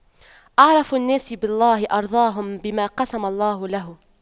أعرف الناس بالله أرضاهم بما قسم الله له